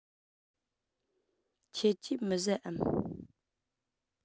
ཁྱེད ཀྱིས མི ཟ འམ